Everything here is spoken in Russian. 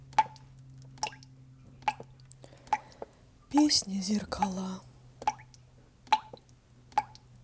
песня зеркала